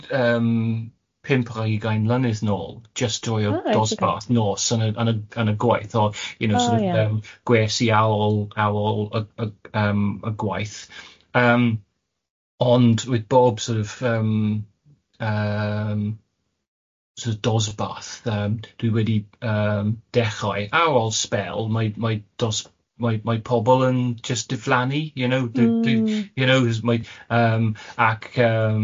yym pump ar ugain mlynedd nôl jyst.. ah reit oce. ...drwy'r dosbarth nos yn y yn y yn y gwaith o you know... oh ie. ...sort of yym gwersi ar ôl ar ôl y y yym y gwaith yym ond with bob sort of yym yym sort of dosbath yym dwi wedi yym dechrau ar ôl sbel mae mae dos- mae mae pobl yn jyst diflannu you know... Mm. ...you know cause mae yym ac yym